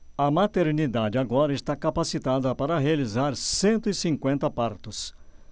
a maternidade agora está capacitada para realizar cento e cinquenta partos